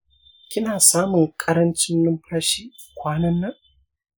kina samun ƙarancin numfashi kwanan nan?